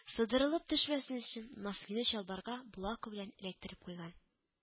Сыдырылып төшмәсен өчен, носкины чалбарга булавка белән эләктереп куйган